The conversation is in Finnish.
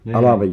niin